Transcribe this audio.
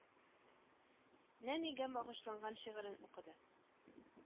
Нә мигә багышланган шигырен укыды